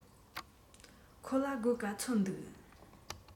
ཁོ ལ སྒོར ག ཚོད འདུག